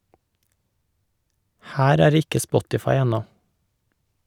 Her er ikke Spotify ennå.